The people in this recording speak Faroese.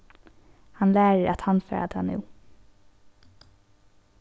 hann lærir at handfara tað nú